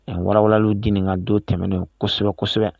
Ka walawalaliw di nin ka don tɛmɛnenw kosɛbɛ kosɛbɛ